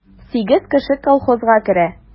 Сигез кеше колхозга керә.